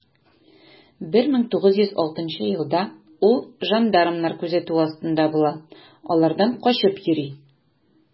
1906 елда ул жандармнар күзәтүе астында була, алардан качып йөри.